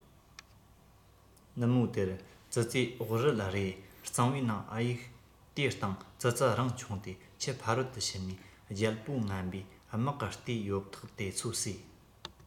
ནུབ མོ དེར ཙི ཙིས ཨོག རིལ རེ གཙང པོའི ནང གཡུག དེའི སྟེང ཙི ཙི རང མཆོངས ཏེ ཆུ ཕ རོལ དུ ཕྱིན ནས རྒྱལ པོ ངན པའི དམག གི རྟའི ཡོབ ཐག དེ ཚོ ཟས